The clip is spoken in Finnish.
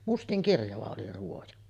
mustankirjava oli ruoja